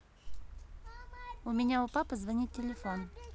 у меня у папы звонит телефон